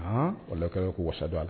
O kɛra ye ko wasadu